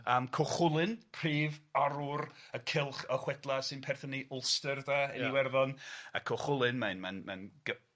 am Cychwlyn, prif arwr y cylch y chwedla sy'n perthyn i Ulster de yn Iwerddon a Cychwlyn, mae'n mae'n mae'n gy-